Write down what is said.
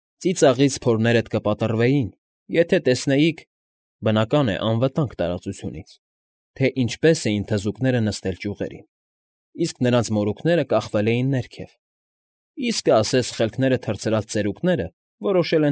Ծիծաղից փորներդ կպատռվեին, եթե տեսնեիք (բնական է, անվտանգ տարածությունից), թե ինչպես էին թզուկները նստել ճյուղերին, իսկ նրանց մորուքները կախվել էին ներքև. իսկը ասես խելքները թռցրած ծերուկները որոշել։